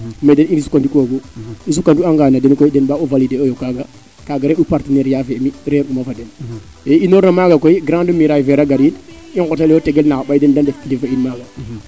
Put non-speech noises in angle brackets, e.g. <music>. mais na den i sukani koogu i sukai anga den koy den mbaag u valider oyo kaaga kaaga re'u partenairiat fee mi reer uma fa den ye i inor na no kaaga koy <unintelligible> i ngoteloyo tegeloyo noxa ɓay den de ndef kilifa in maaga